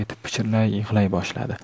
pichirlay yig'lay boshladi